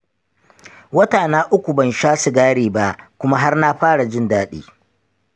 watana uku ban sha sigari ba kuma har na fara jin daɗi.